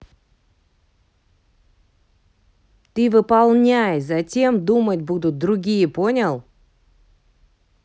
ты выполняй затем думать будут другие понял